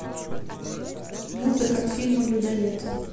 музыка к фильму людоед